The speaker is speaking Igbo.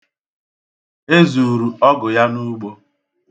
E zuuru ọgụ ya n'ugbo.